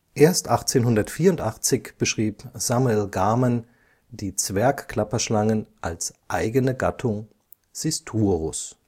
Erst 1884 beschrieb Samuel Garman die Zwergklapperschlangen als eigene Gattung Sistrurus